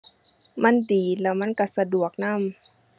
มันดี แล้วมันก็สะดวกนำ